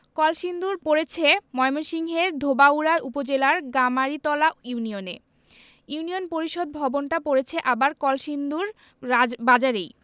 কলসিন্দুর পড়েছে ময়মনসিংহের ধোবাউড়া উপজেলার গামারিতলা ইউনিয়নে ইউনিয়ন পরিষদ ভবনটা পড়েছে আবার কলসিন্দুর রাজ বাজারেই